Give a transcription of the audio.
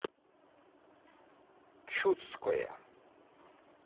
чудское